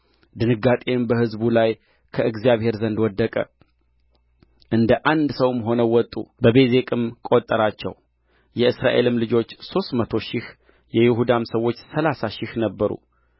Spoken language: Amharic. ድንጋጤም በሕዝቡ ላይ ከእግዚአብሔር ዘንድ ወደቀ እንደ አንድ ሰውም ሆነው ወጡ በቤዜቅም ቈጠራቸው የእስራኤልም ልጆች ሦስት መቶ ሺህ የይሁዳም ሰዎች ሠላሳ ሺህ ነበሩ